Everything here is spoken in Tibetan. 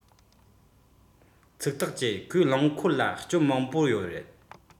ཚིག ཐག བཅད ཁོས རླངས འཁོར ལ སྐྱོན མང པོ ཡོད རེད